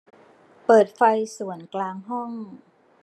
เปิดไฟส่วนกลางห้อง